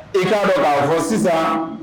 I kaa ne b'a fɔ sisan